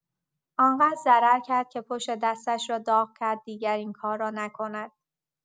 آن‌قدر ضرر کرد که پشت دستش را داغ کرد دیگر این کار را نکند.